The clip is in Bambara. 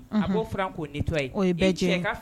A' f koo tɔgɔ ye